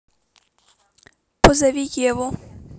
позови еву